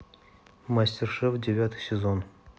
мастер шеф девятый сезон